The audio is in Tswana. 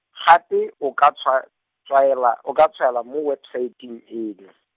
gape o ka tshwa-, tswaela-, o ka tshwaela mo website e eno.